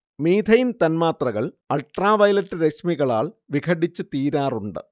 methane തന്മാത്രകൾ ultraviolet രശ്മികളാൽ വിഘടിച്ച് തീരാറുണ്ട്